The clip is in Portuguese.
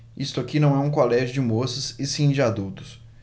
isto aqui não é um colégio de moças e sim de adultos